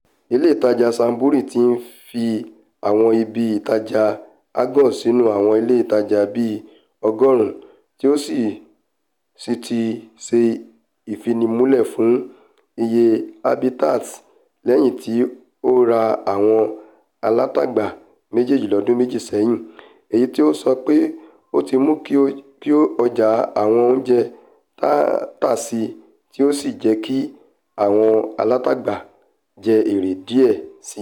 Ilè ìtàjà Sainsbury ti ńfi àwọn ibi ìtajà Argos sínú àwọn ilé ìtajà bii ọgọ́ọ̀rún tí o sì ti ṣe ìfinimọlé fún iye Habitats lẹ́yìn tí o ra àwọn alátagbà méjèèjì lọ́dún méjì sẹ́yìn, èyití ó sọ pé ó ti mú ki ọjà àwọn oúnjẹ̀ tà síi tí ó sì jẹ́kí àwọn alátagbà jẹ érè díẹ̀ síi.